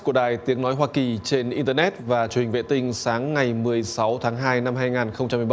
của đài tiếng nói hoa kỳ trên in tơ nét và truyền hình vệ tinh sáng ngày mười sáu tháng hai năm hai ngàn không trăm